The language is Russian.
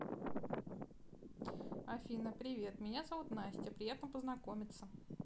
афина привет меня зовут настя приятно познакомиться